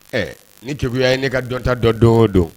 Ɛ ni kekuya ye ne ka dɔnta dɔ don o don